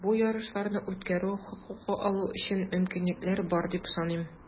Бу ярышларны үткәрү хокукы алу өчен мөмкинлекләр бар, дип саныйм.